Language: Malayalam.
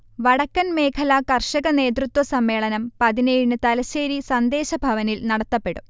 വടക്കൻ മേഖല കർഷക നേതൃത്വസമ്മേളനം പതിനേഴിന് തലശ്ശേരി സന്ദേശഭവനിൽ നടത്തപ്പെടും